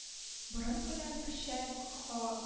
Борын белән печән ка